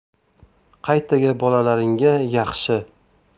qaytaga bolalaringga yaxshi